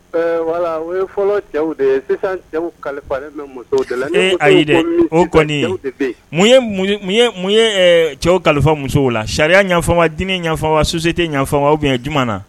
Wala o ayi o kɔni ye ye cɛw kalifa musow la sariya ɲfanma diinɛ ɲafan wa susi tɛ ɲafan wa j na